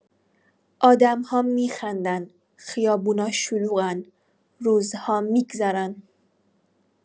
آدم‌ها می‌خندن، خیابونا شلوغن، روزها می‌گذرن.